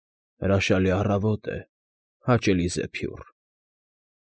Հրաշալի առավոտ է, հաճելի զեփյուռ։